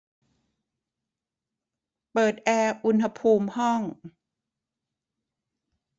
เปิดแอร์อุณหภูมิห้อง